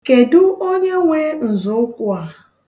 Kedụ onye nwe nzọụkwụ a?